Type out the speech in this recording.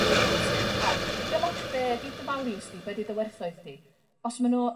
byd natur a 'di o'm ots be' 'di dy values di be' 'di dy werthoedd di os ma' nw